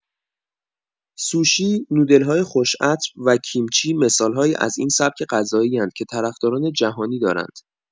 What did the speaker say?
سوشی، نودل‌های خوش عطر و کیمچی مثال‌هایی از این سبک غذایی‌اند که طرفداران جهانی دارند.